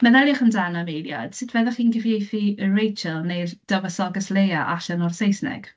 Meddyliwch amdano am eiliad, sut fyddwch chi'n gyfieithu y Rachel neu'r dywysoges Leia allan o'r Saesneg?